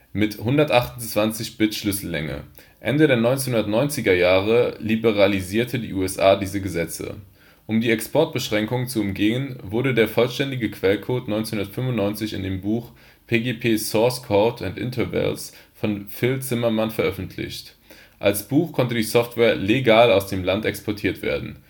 mit 128 Bit Schlüssellänge. Ende der 1990er Jahre liberalisierten die USA diese Gesetze. Um die Exportbeschränkung zu umgehen, wurde der vollständige Quellcode 1995 in dem Buch „ PGP Source Code and Internals “von Phil Zimmermann veröffentlicht. Als Buch konnte die Software legal aus den USA exportiert werden